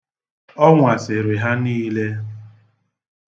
Ọ nwasịrị ha niile.